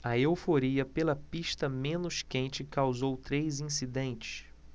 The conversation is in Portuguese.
a euforia pela pista menos quente causou três incidentes